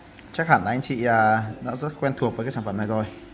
chắc hẳn anh chị rất quen thuộc với sản phẩm này rồi